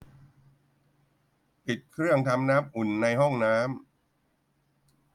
ปิดเครื่องทำน้ำอุ่นในห้องน้ำ